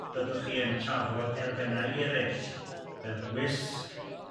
byddwch chi yn trafod elfennau erill fel gwysg